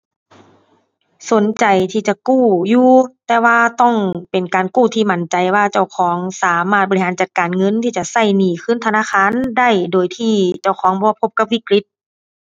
สนใจที่จะกู้อยู่ แต่ว่าต้องเป็นการกู้ที่มั่นใจว่าเจ้าของสามารถบริหารจัดการเงินที่จะใช้หนี้คืนธนาคารได้โดยที่เจ้าของบ่พบกับวิกฤต